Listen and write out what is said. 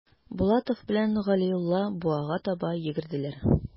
Булатов белән Галиулла буага таба йөгерделәр.